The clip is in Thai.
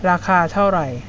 ราคาเท่าไร